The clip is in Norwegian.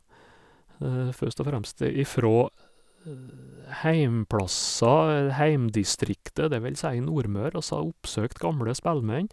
Først og fremst ifra heimplasser, heimdistriktet, det vil si Nordmøre, oss har oppsøkt gamle spellmenn.